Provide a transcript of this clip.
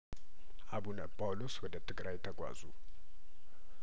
አቡነ ጳውሎስ ወደ ትግራይ ተጓዙ